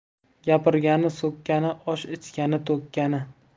gapirgani so'kkani osh ichgani to'kkani